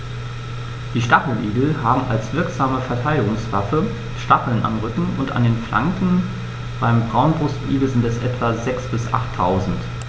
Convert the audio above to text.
Die Stacheligel haben als wirksame Verteidigungswaffe Stacheln am Rücken und an den Flanken (beim Braunbrustigel sind es etwa sechs- bis achttausend).